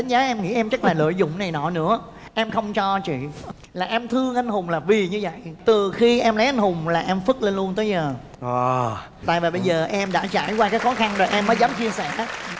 đánh giá em nghĩ em rất là lợi dụng này nọ nữa em không cho chuyện là em thương anh hùng là vì như vậy từ khi em lấy anh hùng là em phất lên luôn tới giờ giờ tại mà bây giờ em đã trải qua các khó khăn rồi em mới dám chia sẻ